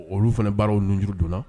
Olu fana baaraw ninjuru don na